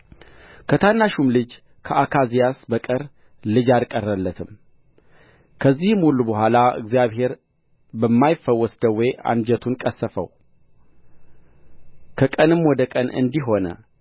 ከታናሹም ልጅ ከአካዝያስ በቀር ልጅ አልቀረለትም ከዚህም ሁሉ በኋላ እግዚአብሔር በማይፈወስ ደዌ አንጀቱን ቀሰፈው ከቀንም ወደ ቀን እንዲህ ሆነ